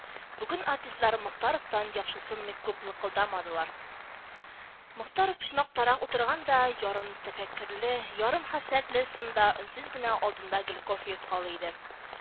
Бүтән артистлар Мохтаровтан яхшысынмый күп лыкылдамадылар. Мохтаров почмактарак утырган да, ярым тәфәккерле, ярым хәсрәтле сында өнсез генә алдында гел кофе йоткалый иде